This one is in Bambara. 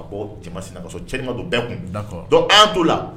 Ka bɔ jɛma sinamuso cɛnin ma don bɛɛ kun d'accord donc an y'an t'o la